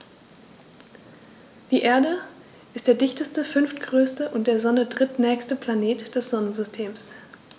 Die Erde ist der dichteste, fünftgrößte und der Sonne drittnächste Planet des Sonnensystems.